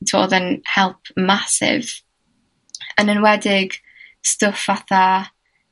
t'mod yn help massive, yn enwedig, stwff fatha